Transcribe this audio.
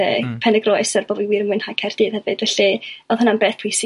yy Penygroes er bo' fi wir yn mwynhau Caerdydd hefyd felly o'dd hwnna'n beth pwysig